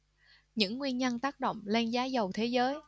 những nguyên nhân tác động lên giá dầu thế giới